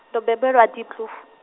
ndo bebelwa Diepkloof.